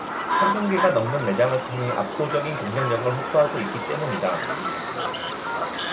삼천 개가 넘는 매장을 통해 압도적인 경쟁력을 확보하고 있기 때문이다